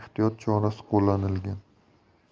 ehtiyot chorasi qo'llangan